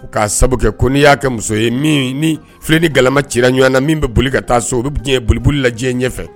K'a sababu kɛ ko n'i y'a kɛ muso ye ni fi ni gama ci ɲɔgɔn na min bɛ boli ka taa so u bɛ diɲɛ boliboli lajɛjɛ in ɲɛfɛ